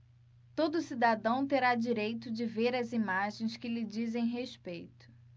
todo cidadão terá direito de ver as imagens que lhe dizem respeito